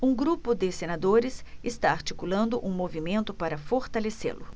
um grupo de senadores está articulando um movimento para fortalecê-lo